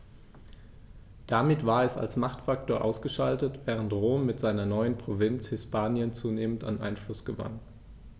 Damit war es als Machtfaktor ausgeschaltet, während Rom mit seiner neuen Provinz Hispanien zunehmend an Einfluss gewann.